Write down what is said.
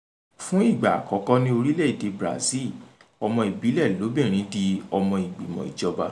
Fún ìgbà àkọ́kọ́ ní orílẹ̀-èdèe Brazil, ọmọ ìbílẹ̀ lóbìnrin di ọmọ ìgbìmọ̀ ìjọba